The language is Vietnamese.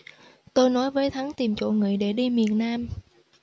tôi nói với thắng tìm chỗ nghỉ để đi miền nam